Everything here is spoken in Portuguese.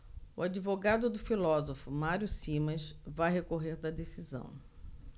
o advogado do filósofo mário simas vai recorrer da decisão